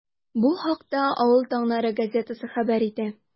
Бу хакта “Авыл таңнары” газетасы хәбәр итә.